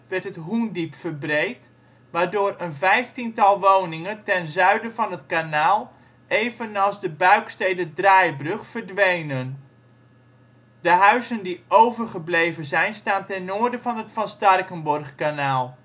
werd het Hoendiep verbreed, waardoor een vijftiental woningen ten zuiden van het kanaal evenals de Buiksteder draaibrug verdwenen (Buikstede). De huizen die overgebleven zijn staan ten noorden van het Van Starkenborghkanaal